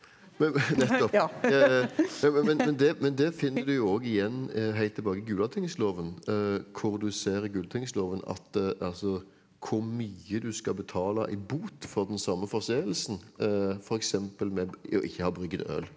nettopp men men men men det men det finner du jo òg igjen helt tilbake i Gulatingsloven hvor du ser i Gulatingsloven at altså hvor mye du skal betale i bot for den samme forseelsen f.eks. med å ikke ha brygget øl.